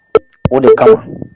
O de kama